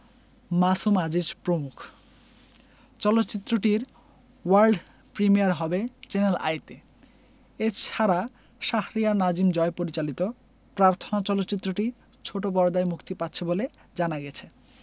মাসুম আজিজ প্রমুখ চলচ্চিত্রটির world premiere হবে চ্যানেল আইতে এ ছাড়া শাহরিয়ার নাজিম জয় পরিচালিত প্রার্থনা চলচ্চিত্রটি ছোট পর্দায় মুক্তি পাচ্ছে বলে জানা গেছে